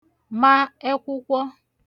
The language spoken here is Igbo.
ma ẹkwụkwọ